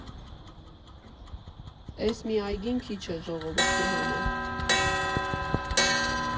Էս մի այգին քիչ է ժողովրդի համար։